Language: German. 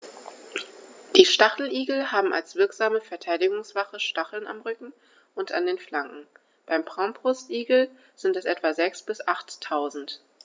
Die Stacheligel haben als wirksame Verteidigungswaffe Stacheln am Rücken und an den Flanken (beim Braunbrustigel sind es etwa sechs- bis achttausend).